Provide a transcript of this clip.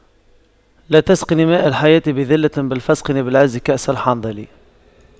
لا تسقني ماء الحياة بذلة بل فاسقني بالعز كأس الحنظل